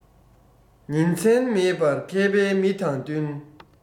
ཉིན མཚན མེད པར མཁས པའི མི དང བསྟུན